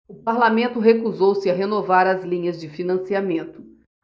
o parlamento recusou-se a renovar as linhas de financiamento